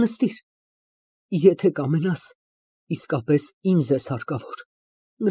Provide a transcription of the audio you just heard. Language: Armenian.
Նստիր։ Եթե կամենաս, իսկապես ինձ ես հարկավոր։